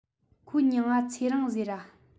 ཁོའི མྱིང ང ཚེ རིང ཟེར ར